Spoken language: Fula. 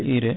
urée